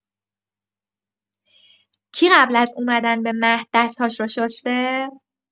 کی قبل از اومدن به مهد دست‌هاش رو شسته؟